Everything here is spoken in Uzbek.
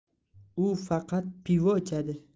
u faqat pivo ichadi